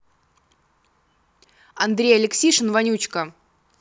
андрей алексишин вонючка